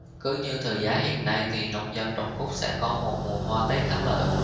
cứ như thời giá hiện nay thì nông dân trồng cúc sẽ có một mùa hoa tết thắng lợi